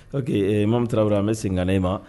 Ko que mamu tarawelera an bɛ sen ka ma